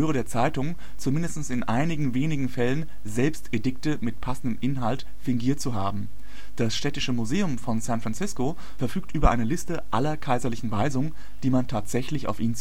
der Zeitungen, zumindest in einigen wenigen Fällen selbst Edikte mit passendem Inhalt fingiert zu haben. Das Städtische Museum von San Francisco verfügt über eine Liste aller Kaiserlichen Weisungen, die man tatsächlich auf ihn